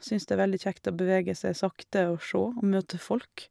Syns det er veldig kjekt å bevege seg sakte og sjå, og møte folk.